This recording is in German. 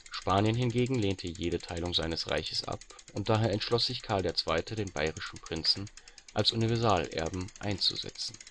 Spanien hingegen lehnte jede Teilung seines Reiches ab und daher entschloss sich Karl II. den bayerischen Prinzen als Universalerben einzusetzen